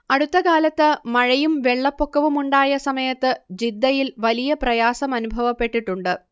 അടുത്ത കാലത്ത് മഴയും വെള്ളപ്പൊക്കവുമുണ്ടായ സമയത്ത് ജിദ്ദയിൽ വലിയ പ്രയാസമനുഭവപ്പെട്ടിട്ടുണ്ട്